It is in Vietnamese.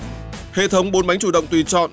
hệ thống bốn bánh chủ động tùy chọn